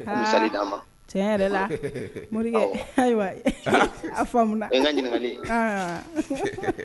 Morikɛ a